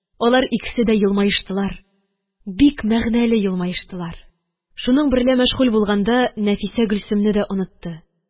Алар икесе дә елмаештылар. Бик мәгънәле елмаештылар. Шуның берлә мәшгуль булганда, Нәфисә Гөлсемне дә онытты.